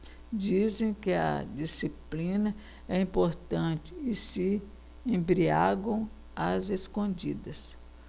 dizem que a disciplina é importante e se embriagam às escondidas